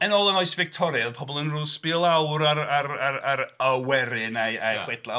Yn ôl yn oes Fictoria, oedd pobl yn ryw sbio lawr ar... ar... ar... ar y werin a'u... a'u chwedlau.